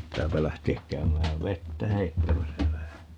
pitääpä lähteä käymään vettä heittämässä vähän